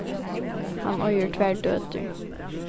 hann eigur tvær døtur